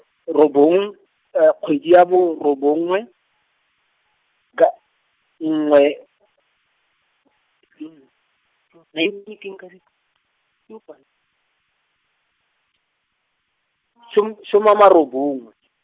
robong kgwedi ya borobongwe, ka, nngwe , som- soma maro bongwe.